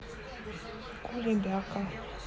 кулебяка